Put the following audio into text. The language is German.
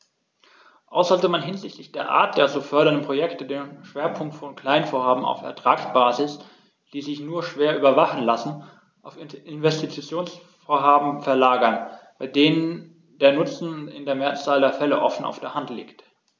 Auch sollte man hinsichtlich der Art der zu fördernden Projekte den Schwerpunkt von Kleinvorhaben auf Ertragsbasis, die sich nur schwer überwachen lassen, auf Investitionsvorhaben verlagern, bei denen der Nutzen in der Mehrzahl der Fälle offen auf der Hand liegt.